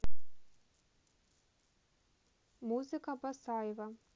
музыка басаева